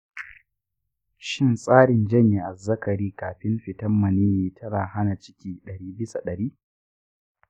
shin tsarin janye azzakari kafin fitan maniyyi tana hana ciki dari bisa dari?